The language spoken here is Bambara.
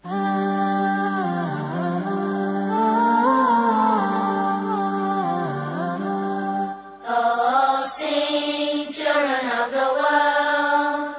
San yse jama wa